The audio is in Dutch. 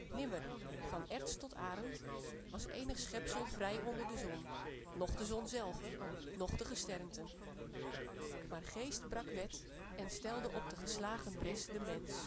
Nimmer, van erts tot arend, was enig schepsel vrij onder de zon, noch de zon zelve, noch de gesternten. Maar geest brak wet en stelde op de geslagen bres de mens